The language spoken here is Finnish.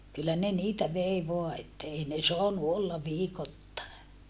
kyllä ne niitä vei vain että ei ne saanut olla viikoittain